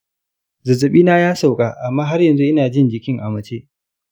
zazzaɓina ya sauka amma har yanzu ina jin jikin a mace.